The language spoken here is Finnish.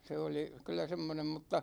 se oli kyllä semmoinen mutta